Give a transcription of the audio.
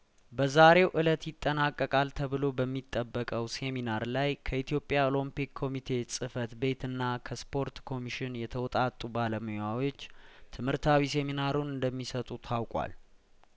በዛሬው እለት ይጠናቀቃል ተብሎ በሚጠበቀው ሴሚናር ላይ ከኢትዮጵያ ኦሎምፒክ ኮሚቴ ጽፈት ቤትና ከስፖርት ኮሚሽን የተውጣጡ ባለሙያዎች ትምህርታዊ ሴሚናሩን እንደሚሰጡ ታውቋል